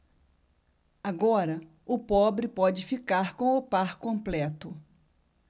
agora o pobre pode ficar com o par completo